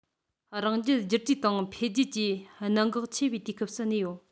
རང རྒྱལ བསྒྱུར བཅོས དང འཕེལ རྒྱས ཀྱི གནད འགག ཆེ བའི དུས སྐབས སུ གནས ཡོད